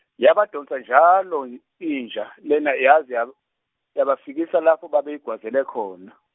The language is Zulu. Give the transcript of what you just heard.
yabadonsa njalo j- inja lena yaze yab- yabafikisa lapho babeyigwazele khona.